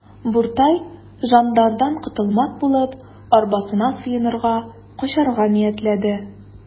Буртай жандардан котылмак булып, арбасына сыенырга, качарга ниятләде.